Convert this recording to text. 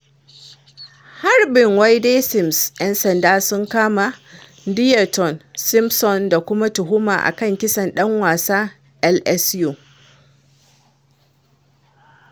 Harbin Wayde Sims ‘Yan sanda sun kama Dyteon Simpson da ake tuhuma a kan kisan ɗan wasan LSU.